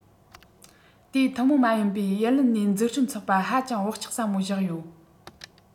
དེའི ཐུན མོང མ ཡིན པའི ཡི ལིན ནན འཛུགས སྐྲུན ཚོགས པ ཧ ཅང ལ བག ཆགས ཟབ མོ བཞག ཡོད